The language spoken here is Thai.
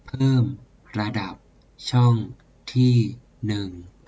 เพิ่มระดับช่องที่หนึ่ง